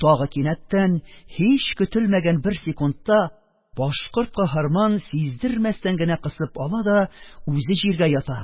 Тагы кинәттән, һич көтелмәгән бер секундта, башкорт каһарман сиздермәстән генә кысып ала да үзе җиргә ята,